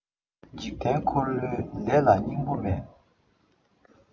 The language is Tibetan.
འཇིག རྟེན འཁོར བའི ལས ལ སྙིང པོ མེད